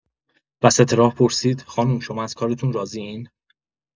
وسط راه پرسید: خانم، شما از کارتون راضی‌این؟